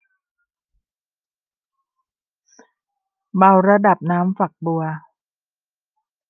เบาระดับน้ำฝักบัว